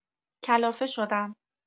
کلافه شدم